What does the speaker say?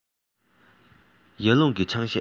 ཡར ཀླུང གིས ཆང གཞས